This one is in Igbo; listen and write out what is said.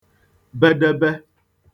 bedebe